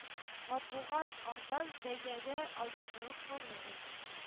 Матбугат- арзан бәягә язылып калыгыз